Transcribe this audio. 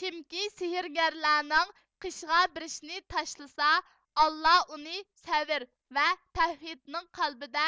كېمىكى سېھىرگەرلەرنىڭ قېشىغا بېرىشنى تاشلىسا ئاللا ئۇنى سەۋر ۋە تەۋھىدنىڭ قەلبىدە